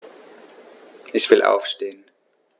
Ich will aufstehen.